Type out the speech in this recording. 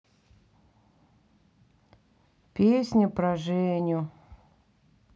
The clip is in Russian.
песня про женю